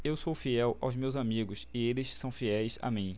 eu sou fiel aos meus amigos e eles são fiéis a mim